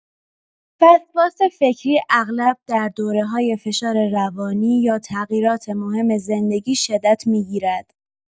وسواس فکری اغلب در دوره‌های فشار روانی یا تغییرات مهم زندگی شدت می‌گیرد.